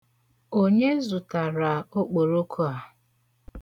Onye zụtara okpòrokō a?